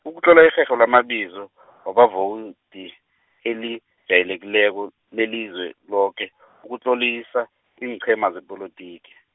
ukutlola irherho lamabizo , wabavowudi, elijayelekileko, leliZweloke , ukutlolisa, iinqhema zepolotiki.